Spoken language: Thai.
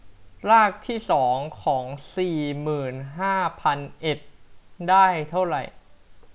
รากที่สองของสี่หมื่นห้าพันเอ็ดได้เท่าไหร่